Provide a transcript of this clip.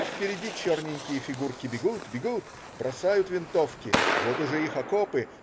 Впереди черненькие фигурки бегут, бегут, бросают винтовки. Вот уже их окопы.